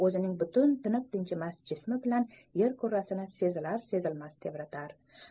o'zining butun tinib tinchimas jismi bilan yer kurrasini sezilar sezilmas tebratar